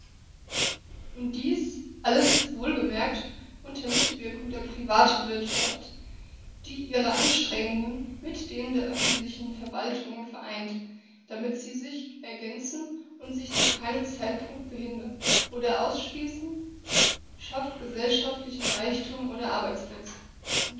Und dies alles - wohlgemerkt unter Mitwirkung der Privatwirtschaft, die ihre Anstrengungen mit denen der öffentlichen Verwaltungen vereint, damit sie sich ergänzen und sich zu keinem Zeitpunkt behindern oder ausschließen schafft gesellschaftlichen Reichtum und Arbeitsplätze.